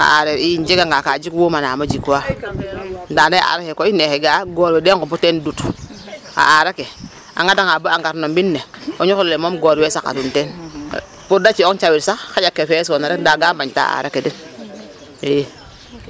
A aareer i njeganga ka jikwuma nangaam o jikwaa ndaa anda yee a aar ake koy ne o ga'aa goor we den nqupu teen dut a aar ake a ŋadanga ba a ref no mbind ne o ñuxur ole moom goor we saqatun pour de ci'ong cawir sax xaƴa ke fesoona rek ndaa ga mbañta a aar ake den i .